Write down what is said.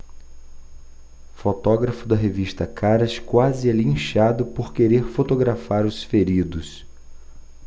fotógrafo da revista caras quase é linchado por querer fotografar os feridos